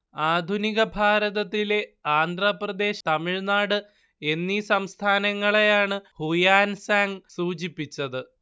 ആധുനിക ഭാരതത്തിലെ ആന്ധ്രാപ്രദേശ്, തമിഴ്നാട് എന്നീ സംസ്ഥാനങ്ങളെയാണ് ഹുയാൻസാങ്ങ് സൂചിപ്പിച്ചത്